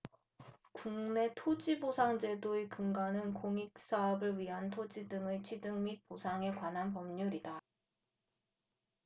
국내 토지보상제도의 근간은 공익사업을 위한 토지 등의 취득 및 보상에 관한 법률이다